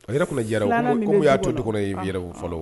A yɛrɛ kun jɛraw y' to dugu kɔnɔ yɛrɛw fɔlɔ